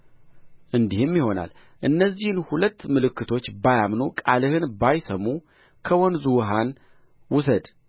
እንዲህም ይሆናል እነዚህን ሁለት ምልክቶች ባያምኑ ቃልህንም ባይሰሙ ከወንዙ ውኃን ውሰድ